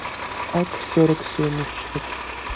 ак сорок семь у щет